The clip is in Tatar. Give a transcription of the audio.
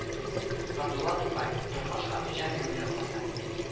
Габдулла Тукай: Тормыш һәм иҗат елъязмасы